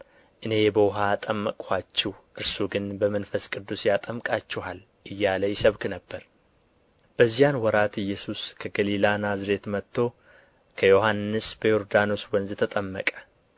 እኔ በውኃ አጠመቅኋችሁ እርሱ ግን በመንፈስ ቅዱስ ያጠምቃችኋል እያለ ይሰብክ ነበር በዚያ ወራትም ኢየሱስ ከገሊላ ናዝሬት መጥቶ ከዮሐንስ በዮርዳኖስ ወንዝ ተጠመቀ